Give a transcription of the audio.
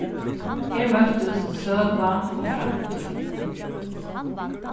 her møttust søga og framtíð